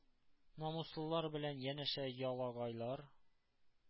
Намуслылар белән янәшә ялагайлар,